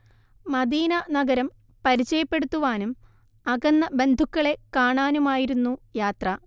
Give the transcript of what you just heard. Medina നഗരം പരിചയപ്പെടുത്തുവാനും അകന്ന ബന്ധുക്കളെ കാണാനുമായിരുന്നു യാത്ര